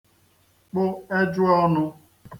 kpụ èjụ̀ọnụ̄